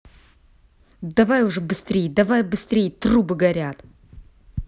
давай уже быстрей давай быстрей трубы горят